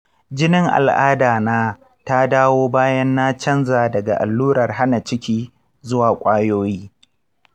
jinin al'ada na ta dawo bayan na canza daga allurar hana ciki zuwa kwayoyi.